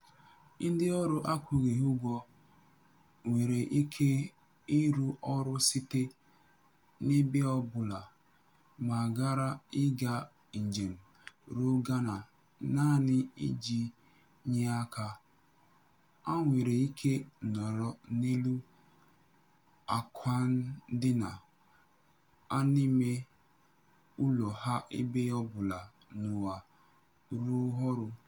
Ndịọrụ akwụghị ụgwọ nwere ike ịrụ ọrụ site n'ebe ọbụla ma ghara ịga njem ruo Ghana naanị iji nye aka; ha nwere ike nọrọ n'elu àkwàndina ha n'ime ụlọ ha ebe ọbụla n'ụwa rụọ ọrụ.